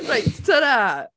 Reit, tara!